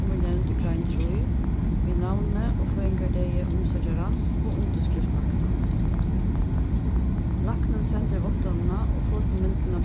sum er nevnd í grein trý við navni og føðingardegi umsøkjarans og undirskrift læknans læknin sendir váttanina og fotomyndina